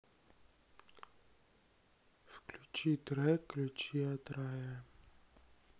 включи трек ключи от рая